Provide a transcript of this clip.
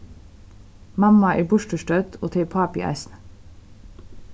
mamma er burturstødd og tað er pápi eisini